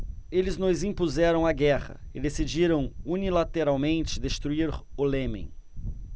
eles nos impuseram a guerra e decidiram unilateralmente destruir o iêmen